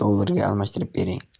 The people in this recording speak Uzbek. dollarga almashtirib bering